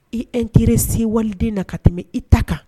I intersser waliden na ka tɛmɛn i taw kan.